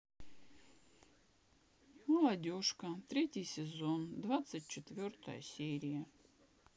молодежка третий сезон двадцать четвертая серия